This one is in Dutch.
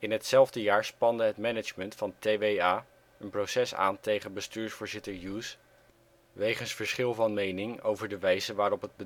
hetzelfde jaar spande het management van TWA een proces aan tegen bestuursvoorzitter Hughes wegens verschil van mening over de wijze waarop